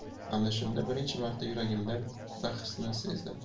ana shunda birinchi marta yuragimda bir xisni sezdim